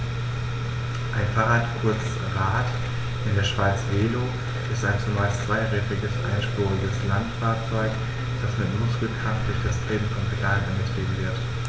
Ein Fahrrad, kurz Rad, in der Schweiz Velo, ist ein zumeist zweirädriges einspuriges Landfahrzeug, das mit Muskelkraft durch das Treten von Pedalen angetrieben wird.